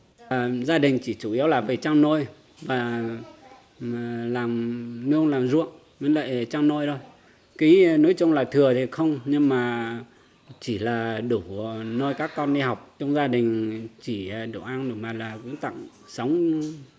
ờ gia đình chỉ chủ yếu là về chăn nuôi và nghề làm nông làm ruộng với lại chăn nuôi thôi ký nói chung là thừa thì không nhưng mà chỉ là đủ nuôi các con đi học trong gia đình chỉ đủ ăn mà là cũng tầm sống